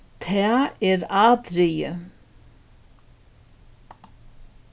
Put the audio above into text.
tað er ádrigið